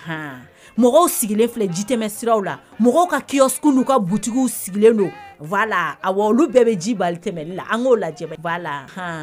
Sigilen ji ka kiku ka butigiw sigilen wa olu bɛɛ bɛ ji bali ano lajɛ